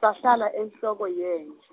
sahlala enhloko yenja.